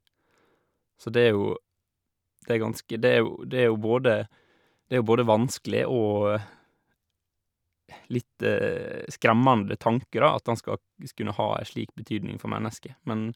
Så det er jo det er ganske det er jo det er jo både det er jo både vanskelig og litt skremmende tanke, da, at en skal gs kunne ha en slik betydning for mennesker, men...